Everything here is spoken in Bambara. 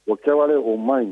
O kɛwale o man ɲi.